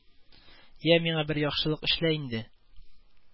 Я, миңа бер яхшылык эшлә инде